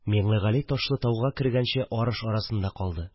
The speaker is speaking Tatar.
Миңлегали Ташлытауга кергәнче арыш арасында калды